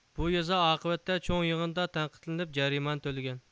بۇ يېزا ئاقىۋەتتە چوڭ يىغىندا تەنقىدلىنىپ جەرىمانە تۆلىگەن